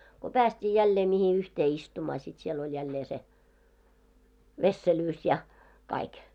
kun päästiin jälleen mihin yhteen istumaan sitten siellä oli jälleen se vesselyys ja kaikki